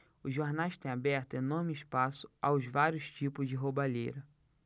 os jornais têm aberto enorme espaço aos vários tipos de roubalheira